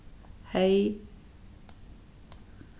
hey